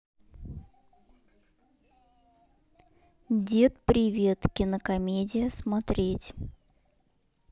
дед привет кинокомедия смотреть